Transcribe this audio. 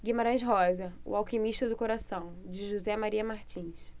guimarães rosa o alquimista do coração de josé maria martins